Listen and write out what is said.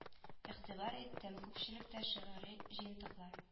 Игътибар иттем күпчелектә шигъри җыентыклар